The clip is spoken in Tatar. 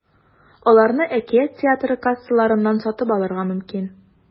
Аларны “Әкият” театры кассаларыннан сатып алырга мөмкин.